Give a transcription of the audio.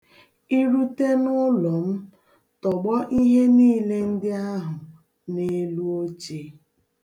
I rute n'ụlọ m, tọgbọ ihe niile ndị ahụ n'elu oche.